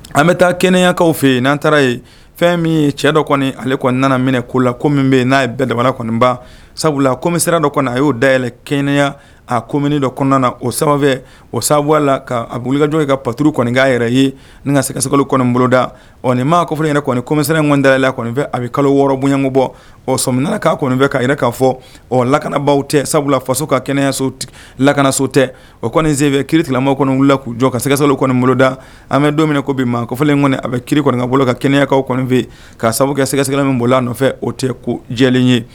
An bɛ taa kɛnɛkaw fɛ yen n'an taara yen fɛn min ye cɛ dɔ kɔni ale kɔni nana minɛ ko la ko min yen n'a ye bɛɛ da kɔniba sabulamise dɔ kɔnɔ a y'o dayɛlɛn kɛnɛya a kom dɔ kɔnɔna na o sanfɛ o sababu la kaabukajɔ ye ka patourukan yɛrɛ ye ni ka sɛgɛsɛli boloda ɔ nin maa comsɛnenɛ la a bɛ kalo wɔɔrɔ bonyaygo bɔ ɔ sɔmin k ka kɔnifɛ ka yɛrɛ k'a fɔ ɔ lakanabaa tɛ sabula faso ka kɛnɛya lakanaso tɛ o kɔni sene kiiritilama wili k'u jɔ ka sɛgɛsɛsolo kɔni boloda an bɛ don min kobi malen in kɔni a bɛ kiri kɔni ka bolo ka kɛnɛ kɛnɛyakaw kɔni fɛ ka sababu ka sɛgɛsɛgɛ min bolola nɔfɛ o tɛ jɛlen ye